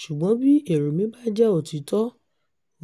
Ṣùgbọ́n bí èrò mi bá jẹ́ òtítọ́,